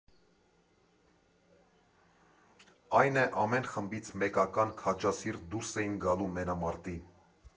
Այն է՝ ամեն խմբից մեկական քաջասիրտ դուրս էին գալու մենամարտի։